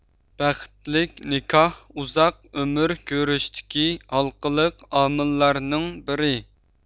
بەختلىك نىكاھ ئۇزاق ئۆمۈر كۆرۈشتىكى ھالقىلىق ئامىللارنىڭ بىرى